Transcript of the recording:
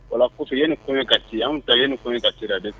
Voilà kɔfɛ ya ni kɔɲɔ ka se, an ta ya ni kɔɲɔ ka kɛ de a bɛ